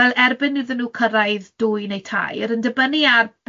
wel erbyn iddyn nhw cyrraedd dwy neu tair, yn dibynnu ar